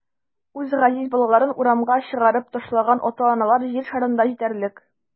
Үз газиз балаларын урамга чыгарып ташлаган ата-аналар җир шарында җитәрлек.